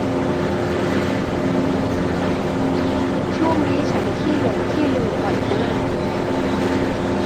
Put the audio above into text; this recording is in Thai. ช่วงนี้ฉันขี้หลงขี้ลืมบ่อยมาก